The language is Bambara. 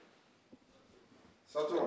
fatɔrɔ